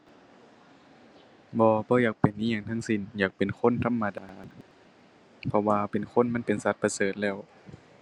บ่ บ่อยากเป็นอิหยังทั้งสิ้น อยากเป็นคนธรรมดา เพราะว่าเป็นคนมันเป็นสัตว์ประเสริฐแล้ว